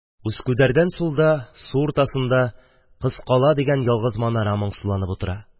Үскүдәрдән сулда, су уртасында Кыз-кала дигән ялгыз манара моңсуланып утыра...